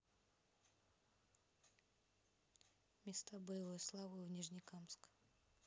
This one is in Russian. места боевой славы в нижнекамск